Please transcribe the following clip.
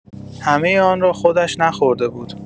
همه آن را خودش نخورده بود.